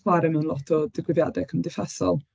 Chwarae mewn lot o digwyddiadau cymdeithasol.